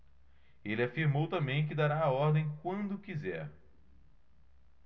ele afirmou também que dará a ordem quando quiser